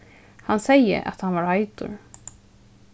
hann segði at hann var heitur